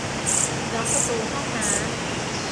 ล็อกประตูห้องน้ำ